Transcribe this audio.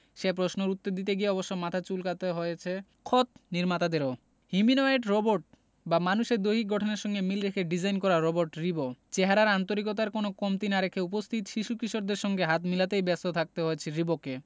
সে প্রশ্নের উত্তর দিতে গিয়ে অবশ্য মাথা চুলকাতে হয়েছে খোত নির্মাতাদেরও হিমিনয়েড রোবট বা মানুষের দৈহিক গঠনের সঙ্গে মিল রেখে ডিজাইন করা রোবট রিবো চেহারার আন্তরিকতার কোনো কমতি না রেখে উপস্থিত শিশু কিশোরদের সঙ্গে হাত মেলাতেই ব্যস্ত থাকতে হয়েছে রিবোকে